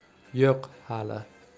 yo'q hali